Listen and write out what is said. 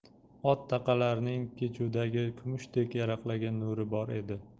ot taqalarining kechuvdagi kumushdek yaraqlagan nuri bor edi